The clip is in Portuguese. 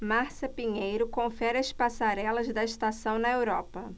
márcia pinheiro confere as passarelas da estação na europa